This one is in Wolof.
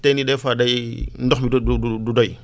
teen yi des fois day ndox mi du du doy